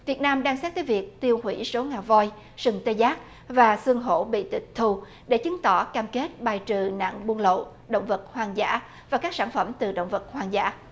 việt nam đang xét tới việc tiêu hủy số ngà voi sừng tê giác và xương hổ bị tịch thu để chứng tỏ cam kết bài trừ nạn buôn lậu động vật hoang dã và các sản phẩm từ động vật hoang dã